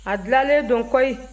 a dilannen don koyi